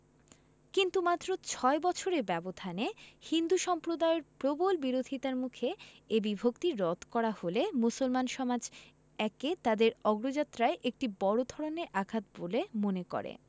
কিন্তু মাত্র ছয় বছরের ব্যবধানে হিন্দু সম্প্রদায়ের প্রবল বিরোধিতার মুখে এ বিভক্তি রদ করা হলে মুসলমান সমাজ একে তাদের অগ্রযাত্রায় একটি বড় ধরনের আঘাত বলে মনে করে